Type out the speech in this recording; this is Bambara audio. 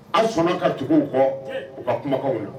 A sɔnna kacogo kɔ u ka kumakan na